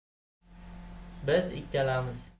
biz ikkalamiz